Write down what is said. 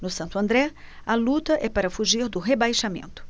no santo andré a luta é para fugir do rebaixamento